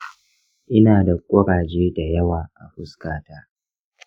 ina da kuraje da yawa a fuskata.